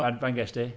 Faint gest ti?